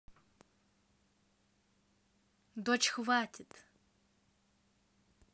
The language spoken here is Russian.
дочь хватит